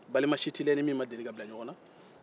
balima si t'i la i ni min ma deli ka bila ɲɔgɔn na